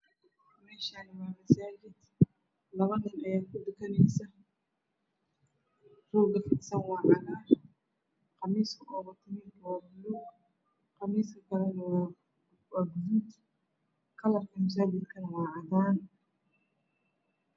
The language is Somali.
Meeshaani waa masaajid laba nin ayaa kudu kaneeysa rooga fidsan waa cagaar qamiiska uu watana waa buluug qamiiska kalena waa gaduud kalarka masaajidkana waa cadaan